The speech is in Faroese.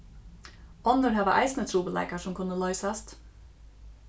onnur hava eisini trupulleikar sum kunnu loysast